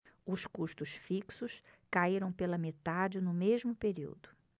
os custos fixos caíram pela metade no mesmo período